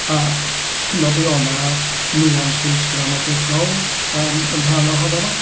A chimod mi oedd 'na nuances gramadegol yym yn rhan ohono fo.